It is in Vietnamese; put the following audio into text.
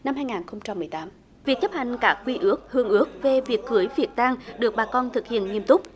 năm hai ngàn không trăm mười tám việc chấp hành các quy ước hương ước về việc cưới việc tang được bà con thực hiện nghiêm túc